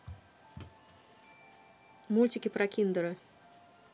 мультики про киндера